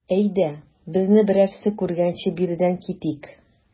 Әйдә, безне берәрсе күргәнче биредән китик.